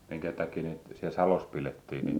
minkähän takia niitä siellä salossa pidettiin niitä